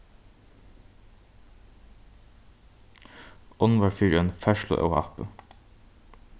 unn var fyri einum ferðsluóhappi